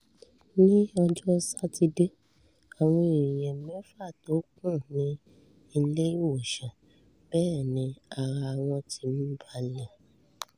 Ní ọjọ́ Satidé, àwọn èèyàn mẹ́fà tó kù ní ilé-ìwòsàn. Bẹ́ẹ̀ ni ara wọn tí n balẹ̀.